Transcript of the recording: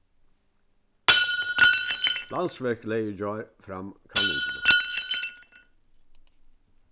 landsverk legði í gjár fram kanningina